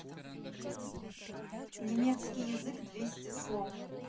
немецкий язык двести слов